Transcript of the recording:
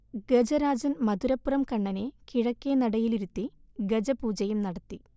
ഗജരാജൻ മധുരപ്പുറം കണ്ണനെ കിഴക്കേ നടയിലിരുത്തി ഗജപൂജയും നടത്തി